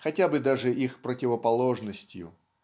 хотя бы даже их противоположностью